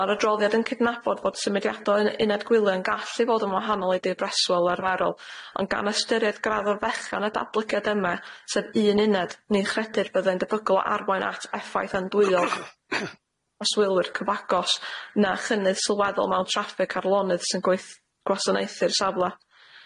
Ma'r adroddiad yn cydnabod bod symudiadau'n uned gwylia'n gallu fod yn wahanol i dir breswyl arferol ond gan ystyried graddor fechan y datblygiad yma sef un uned ni'n credu'r byddai'n debygol o arwain at effaith andwyol oswylwyr cyfagos na chynnydd sylweddol mewn traffig ar lonydd sy'n gweith- gwasanaethu'r safle.